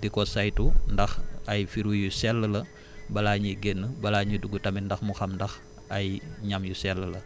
di ko saytu ndax ay fruits yu sell la balaa ñuy génn balaa ñuy dugg tamit ndax mu xam ndax ay ñam yu sell la